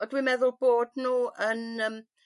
Wel dwi'n meddwl bod nhw yn yym